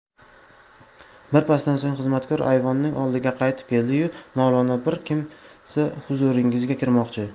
birpasdan so'ng xizmatkor ayvonning oldiga qaytib keldi yu mavlono bir kimsa huzuringizga kirmoqchi